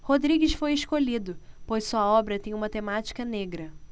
rodrigues foi escolhido pois sua obra tem uma temática negra